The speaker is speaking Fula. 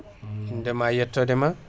inde ma e yettode ma